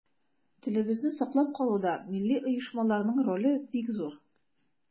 Телебезне саклап калуда милли оешмаларның роле бик зур.